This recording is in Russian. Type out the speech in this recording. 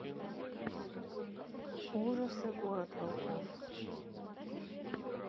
ужасы город волков